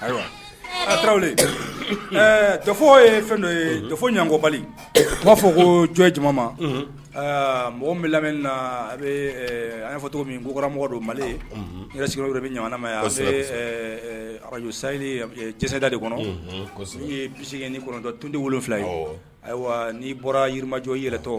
A ayiwa a tarawele dɔfɔ ye fɛn dɔ ye dɔfɔ ɲkɔ bali b'a fɔ ko jɔn jama ma mɔgɔ min lam a bɛ an'a fɔcogo min komɔgɔ dɔ mali n yɛrɛ sigiyɔrɔ de bɛ jamana ma yanse se ararozjo sayi cɛsɛda de kɔnɔ que ye bisimilase ni kɔnɔntɔn tondi wolo wolonwula ye ayiwa n'i bɔra yirimajɔ yɛrɛtɔ